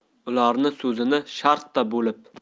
ularning so'zini shartta bo'lib